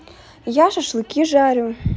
я шашлыки зарю